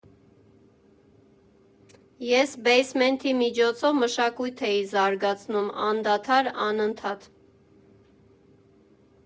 «Ես «Բեյսմենթի» միջոցով մշակույթ էի զարգացնում, անդադար, անընդհատ։